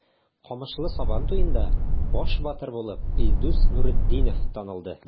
Камышлы Сабан туенда баш батыр булып Илдус Нуретдинов танылды.